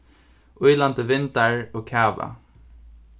ýlandi vindar og kava